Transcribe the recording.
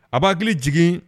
A b'a hakili jigin